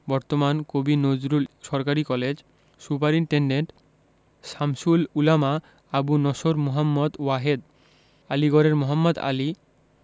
বর্তমান কবি নজরুল সরকারি কলেজ সুপারিন্টেন্ডেন্ট শামসুল উলামা আবু নসর মুহম্মদ ওয়াহেদ আলীগড়ের মোহাম্মদ আলী